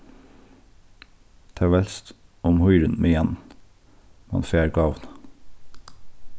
tað veldst um hýrin meðan mann fær gávuna